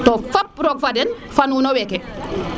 to fop roog fa den fo nuuno weeke